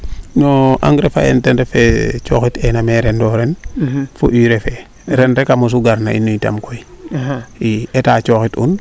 no engrais feene te ref engrais feene coxit eena me reno ren fo urée fee ren rek a mosu gar no in itam i Etat coxit un